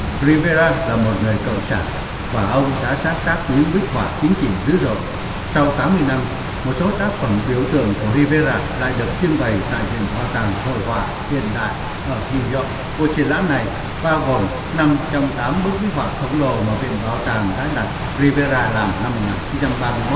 ri vê ra là một người cộng sản và ông đã sáng tác những bích họa chính trị dữ dội sau tám mươi năm một số tác phẩm biểu tượng của ri vê ra lại được trưng bày tại viện bảo tàng hội họa hiện đại ở niu doóc cuộc triển lãm này bao gồm năm trong tám bức bích họa khổng lồ mà viện bảo tàng đã đặt ri vê ra làm năm một ngàn chín trăm ba mươi mốt